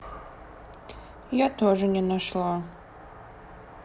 я тоже не нашла